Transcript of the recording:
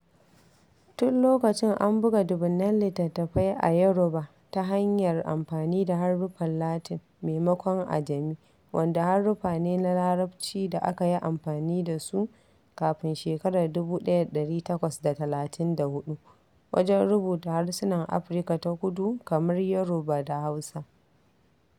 Tun lokacin an buga dubunnan litattafai a Yoruba ta hanyar amfani da haruffan Latin, maimakon ajami wanda haruffa ne na Larabci da aka yi amfani da su kafin shekarar 1834 wajen rubuta harsunan Afirka ta kudu kamar Yoruba da Hausa.